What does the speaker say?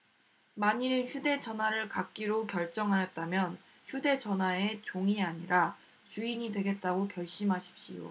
만일 휴대 전화를 갖기로 결정하였다면 휴대 전화의 종이 아니라 주인이 되겠다고 결심하십시오